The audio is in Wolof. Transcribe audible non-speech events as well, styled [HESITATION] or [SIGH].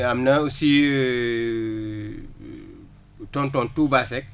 am na aussi [HESITATION] tonton Touba Seck